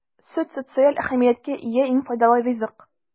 Сөт - социаль әһәмияткә ия иң файдалы ризык.